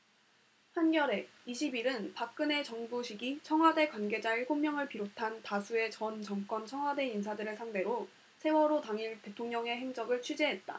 한겨레 이십 일 은 박근혜 정부 시기 청와대 관계자 일곱 명을 비롯한 다수의 전 정권 청와대 인사들을 상대로 세월호 당일 대통령의 행적을 취재했다